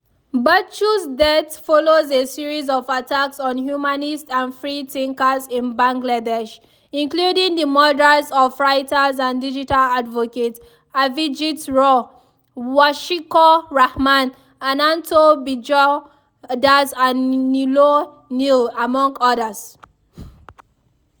Bachchu’s death follows a series of attacks on humanists and freethinkers in Bangladesh, including the murders of writers and digital advocates Avijit Roy, Washiqur Rahman, Ananto Bijoy Das and Niloy Neel, among others.